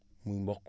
muy mboq